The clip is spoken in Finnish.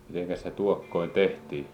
mitenkäs se tuokkonen tehtiin